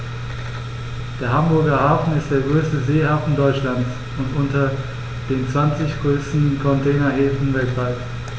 Der Hamburger Hafen ist der größte Seehafen Deutschlands und unter den zwanzig größten Containerhäfen weltweit.